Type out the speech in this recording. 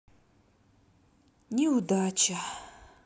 неудача